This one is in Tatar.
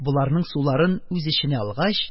Боларның суларын үз эченә алгач,